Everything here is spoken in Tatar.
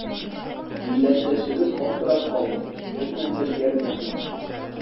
Милләттәшебез аптырап калды, кемнәндер ярдәм көтте.